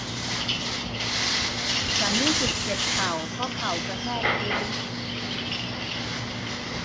ฉันรู้สึกเจ็บเข่าเพราะเข่ากระแทกพื้น